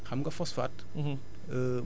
muy muy dellu ci phosphate yi